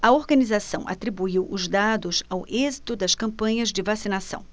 a organização atribuiu os dados ao êxito das campanhas de vacinação